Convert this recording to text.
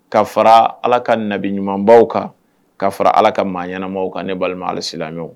Ka fara ala ka nabi ɲumanbaw kan ka fara ala ka maa ɲɛnaanama kan ne balimasilaɲɔgɔn